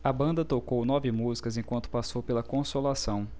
a banda tocou nove músicas enquanto passou pela consolação